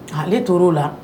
Ale ale tora oo la